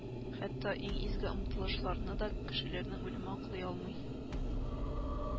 Хәтта иң изге омтылышларны да кешеләрнең үлеме аклый алмый